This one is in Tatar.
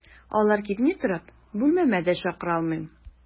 Алар китми торып, бүлмәмә дә чакыра алмыйм.